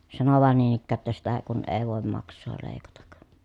sanoi vain niin ikään että sitä kun ei voi maksaa leikata